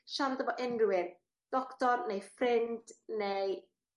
siarad efo unryw un. Doctor neu ffrind neu